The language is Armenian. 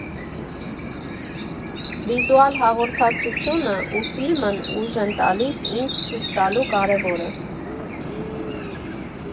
Վիզուալ հաղորդակցությունն ու ֆիլմն ուժ են տալիս ինձ ցույց տալու կարևոը։